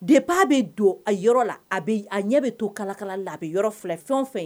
De ba bɛ don a yɔrɔ la a a ɲɛ bɛ to kalakala la a bɛ yɔrɔ fila fɛn fɛn ye